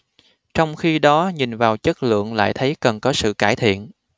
trong khi đó nhìn vào chất lượng lại thấy cần có sự cải thiện